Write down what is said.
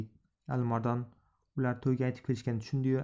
alimardon ular to'yga aytib kelishganini tushundi yu